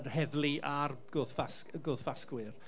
yr heddlu a'r gwrth ffasg- gwrth ffasgwyr.